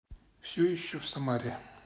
все еще в самаре